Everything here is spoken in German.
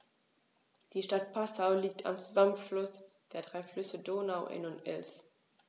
Die Stadt Passau liegt am Zusammenfluss der drei Flüsse Donau, Inn und Ilz.